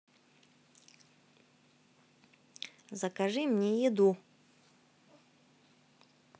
закажи мне еду